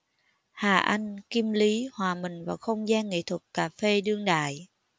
hà anh kim lý hòa mình vào không gian nghệ thuật cà phê đương đại